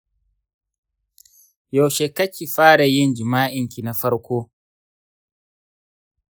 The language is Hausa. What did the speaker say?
yaushe kaki fara yin jima’in ki na farko?